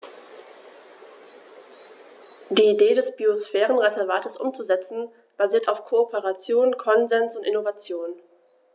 Die Idee des Biosphärenreservates umzusetzen, basiert auf Kooperation, Konsens und Innovation.